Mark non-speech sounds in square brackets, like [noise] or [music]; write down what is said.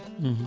[hesitation] [hesitation]